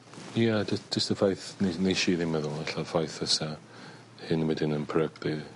Ie dy- jyst y ffaith ne- nesh i ddim meddwl ella'r ffaith fysa hyn wedyn yn peryglu...